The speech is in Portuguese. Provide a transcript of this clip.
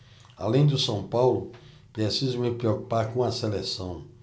além do são paulo preciso me preocupar com a seleção